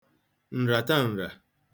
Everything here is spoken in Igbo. ǹràtaǹrà